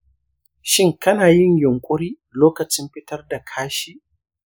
shin kana yin yunƙuri lokacin fitar da kashi?